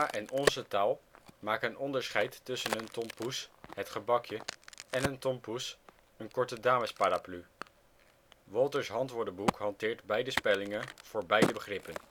en Onze Taal maken onderscheid tussen een tompoes (het gebakje) en een tompouce (een korte damesparaplu). Wolters ' Handwoordenboek hanteert beide spellingen voor beide begrippen